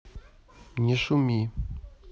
не шуми